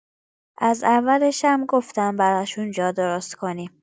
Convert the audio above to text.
از اولشم گفتم براشون جا درست کنیم.